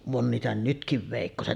on niitä nytkin veikkoset